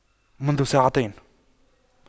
منذ ساعتين